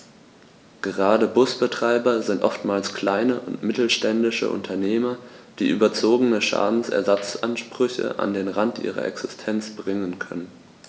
Gerade Busbetreiber sind oftmals kleine und mittelständische Unternehmer, die überzogene Schadensersatzansprüche an den Rand ihrer Existenz bringen können.